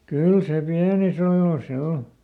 kyllä se pienissä oloissa se oli